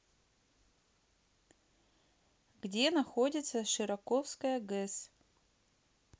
где находится широковская гэс